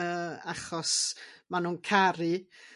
Yy achos ma' nhw'n caru